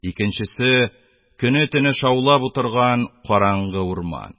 Икенчесе - көне-төне шаулап утырган караңгы урман